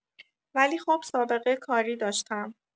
ولی خب سابقه کاری داشتم